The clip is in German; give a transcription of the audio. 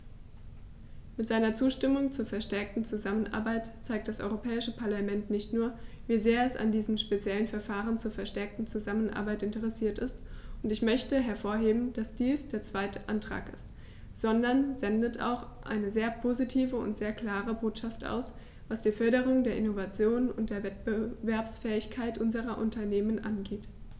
Mit seiner Zustimmung zur verstärkten Zusammenarbeit zeigt das Europäische Parlament nicht nur, wie sehr es an diesem speziellen Verfahren zur verstärkten Zusammenarbeit interessiert ist - und ich möchte hervorheben, dass dies der zweite Antrag ist -, sondern sendet auch eine sehr positive und sehr klare Botschaft aus, was die Förderung der Innovation und der Wettbewerbsfähigkeit unserer Unternehmen angeht.